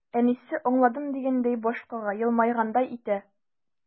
Әнисе, аңладым дигәндәй баш кага, елмайгандай итә.